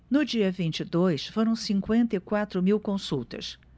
no dia vinte e dois foram cinquenta e quatro mil consultas